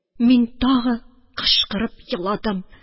Мин тагы кычкырып еладым